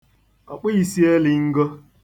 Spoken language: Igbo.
ọ̀kpụīsielingo